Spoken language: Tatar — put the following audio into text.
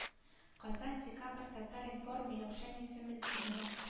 Казан декабрь татар-информ миләүшә низаметдинова